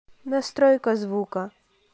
настройка звука